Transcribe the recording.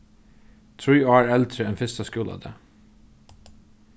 trý ár eldri enn fyrsta skúladag